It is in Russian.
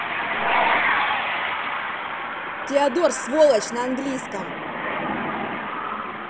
теодор сволочь на английском